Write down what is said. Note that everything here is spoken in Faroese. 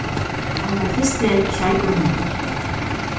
hann var fyrsti sjeikur hennara